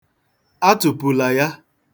Atụpula ya.